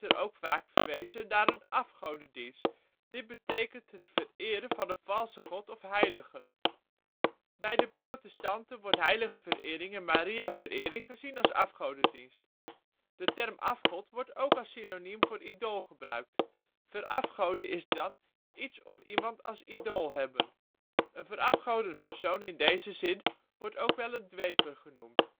ook vaak verwezen naar een afgodendienst, dit betekend het vereren van een valse god of heilige, bij de protestanten wordt heiligenverering en Mariaverering gezien als een afgodendienst. De term afgod wordt ook als synoniem voor idool gebruikt; verafgoden is dan: iets of iemand als idool hebben. Een verafgodend persoon in deze zin wordt ook wel een dweper genoemd